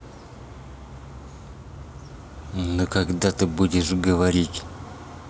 ну когда ты будешь говорить